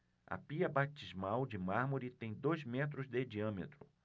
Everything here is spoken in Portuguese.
a pia batismal de mármore tem dois metros de diâmetro